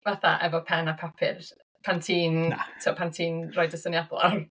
Fatha efo pen a papur pan ti'n... Na. ...tibod pan ti'n rhoi dy syniadau lawr?